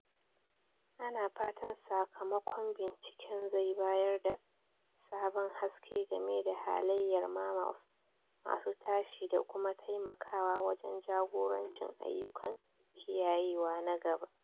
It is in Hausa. Ana fatan sakamakon binciken zai bayar da sabon haske game da halayyar mammals masu tashi da kuma taimakawa wajen jagorancin ayyukan kiyayewa na gaba.